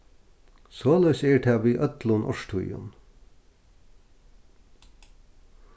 soleiðis er tað við øllum árstíðum